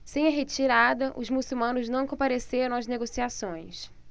sem a retirada os muçulmanos não compareceram às negociações